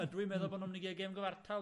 Ydw i'n meddwl bo' nw myn' i g'el gêm gyfartal?